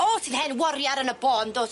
O ti'n hen wariar yn y bo' dwt?